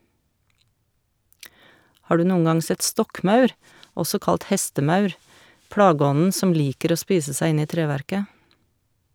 Har du noen gang sett stokkmaur, også kalt hestemaur, plageånden som liker å spise seg inn i treverket?